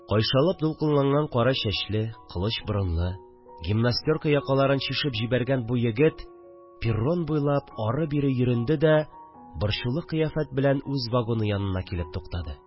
Кайшалып дулкынланган кара чәчле, кылыч борынлы, гимнастерка якаларын чишеп җибәргән бу егет перрон буйлап ары-бире йөренде дә, борчулы кыяфәт белән үз вагоны янына килеп туктады